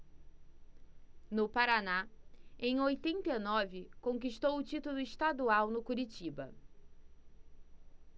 no paraná em oitenta e nove conquistou o título estadual no curitiba